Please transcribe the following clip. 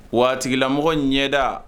Waatilamɔgɔ ɲɛda